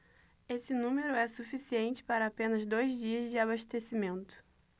esse número é suficiente para apenas dois dias de abastecimento